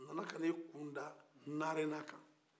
a nana ka n'i kunda narena kan